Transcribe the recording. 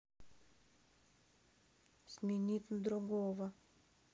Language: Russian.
сменить на другого